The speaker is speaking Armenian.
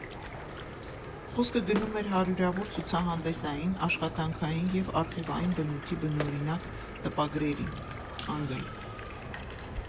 Խոսքը գնում էր հարյուրավոր ցուցահանդեսային, աշխատանքային և արխիվային բնույթի բնօրինակ տպագրերի (անգլ.